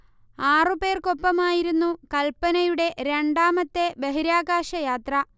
ആറു പേർക്കൊപ്പമായിരുന്നു കൽപനയുടെ രണ്ടാമത്തെ ബഹിരാകാശ യാത്ര